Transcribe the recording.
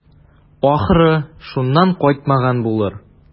Ахры, шуннан кайтмаган булыр.